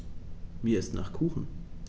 Mir ist nach Kuchen.